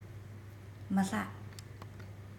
མི སླ